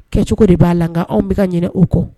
Kɛcogo de b 'a la nka an bɛka ka ɲinɛ o de kɔ